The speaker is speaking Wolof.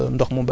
épis yi